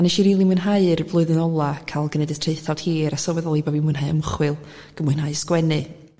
a neshi rili mwynhau'r flwyddyn ola ca'l gneud y traethawd hir a sylweddoli bo' fi mwynhau ymchwil ag yn mwynhau sgwennu